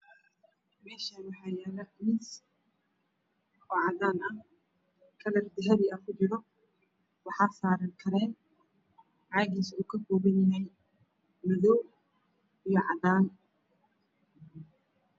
Meeshan waxaa yaalo miis oo cadaan ah midab dahabi aa ku jiro waxaa saaran tareen madow iyo cadan